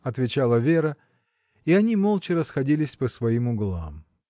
— отвечала Вера, и они молча расходились по своим углам.